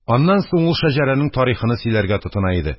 Аннан соң ул шәҗәрәнең тарихыны сөйләргә тотына иде.